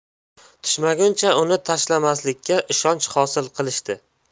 tushmaguncha uni tashlamasligiga ishonch hosil qilishdi